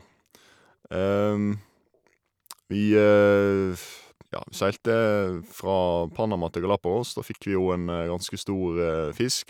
Vi, ja, seilte fra Panama til Galapagos, da fikk vi jo en ganske stor fisk.